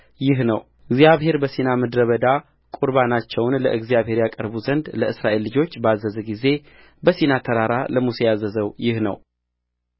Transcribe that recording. ይህ ነውእግዚአብሔር በሲና ምድረ በዳ ቍርባናቸውን ለእግዚአብሔር ያቀርቡ ዘንድ ለእስራኤል ልጆች ባዘዘ ጊዜ በሲና ተራራ ለሙሴ ያዘዘው ይህ ነው